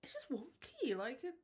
It's just wonky, like a...